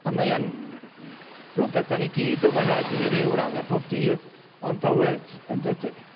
A mae e'n r- r- rywbeth dan ni gyd yn wynebu i ryw raddau bob dydd o'n bywyd, yn dydi?